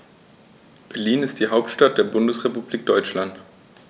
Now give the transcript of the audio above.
Berlin ist die Hauptstadt der Bundesrepublik Deutschland.